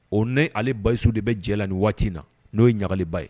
O ne ale basisu de bɛ jɛ la nin waati in na n'o ye ɲagaliba ye